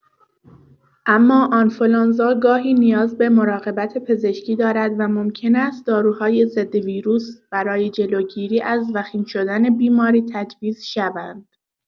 اما آنفولانزا گاهی نیاز به مراقبت پزشکی دارد و ممکن است داروهای ضدویروس برای جلوگیری از وخیم شدن بیماری تجویز شوند.